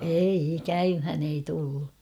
ei käymään ei tullut